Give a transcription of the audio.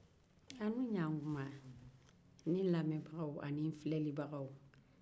a' ni ɲantuman ne lamɛnnibagaw ani n filɛbagaw